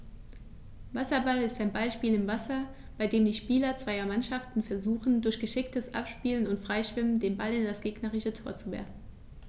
Wasserball ist ein Ballspiel im Wasser, bei dem die Spieler zweier Mannschaften versuchen, durch geschicktes Abspielen und Freischwimmen den Ball in das gegnerische Tor zu werfen.